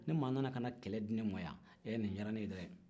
ni maa nana kɛlɛ di ne ma yan ee nin diyara ne ye dɛ